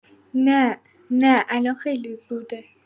نه، نه الان خیلی زوده.